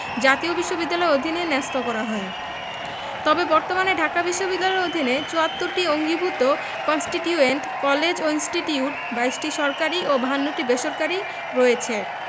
জাতীয় বিশ্ববিদ্যালয়ের অধীনে ন্যস্ত করা হয় তবে বর্তমানে ঢাকা বিশ্ববিদ্যালয়ের অধীনে ৭৪টি অঙ্গীভুত কন্সটিটিউয়েন্ট কলেজ ও ইনস্টিটিউট ২২টি সরকারি ও ৫২টি বেসরকারি রয়েছে